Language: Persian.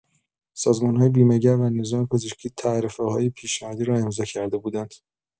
سازمان‌های بیمه‌گر و نظام پزشکی تعرفه‌های پیشنهادی را امضا کرده بودند.